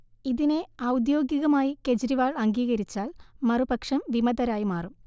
ഇതിനെ ഔദ്യോഗികമായി കെജ്രിവാൾ അംഗീകരിച്ചാൽ മറുപക്ഷം വിമതരായി മാറും